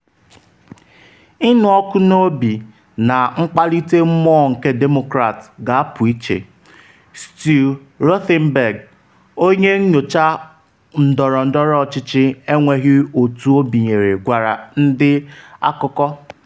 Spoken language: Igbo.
“Ịnụ ọkụ n’obi na mkpalite mmụọ nke Demokrat ga-apụ iche,” Stu Rothenberg, onye nyocha ndọrọndọrọ ọchịchị enweghị otu o binyere gwara ndị akụkọ.